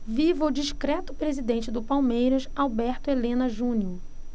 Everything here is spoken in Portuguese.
viva o discreto presidente do palmeiras alberto helena junior